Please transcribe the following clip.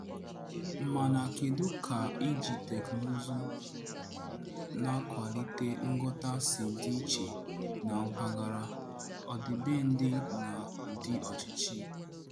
Mana kedu ka iji teknụzụ na-akwalite nghọta si dị iche na mpaghara, ọdịbendị na ụdị ọchịchị?